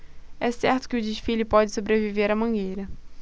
é certo que o desfile pode sobreviver à mangueira